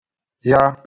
ya